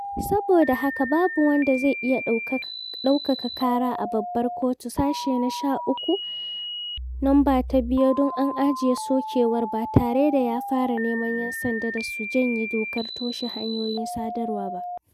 Saboda haka, "babu wanda zai iya ɗaukaka ƙara a babbar kotu" [sashe na 13(2)]don a janye sokewar ba tare da ya fara neman 'yan sanda da su janye dokar toshe hanyoyin sadarwar ba.